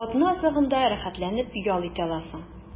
Атна азагында рәхәтләнеп ял итә аласың.